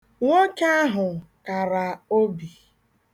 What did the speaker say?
Nwoke ahụ kara obi.